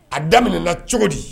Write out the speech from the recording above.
A daminɛminɛna cogo di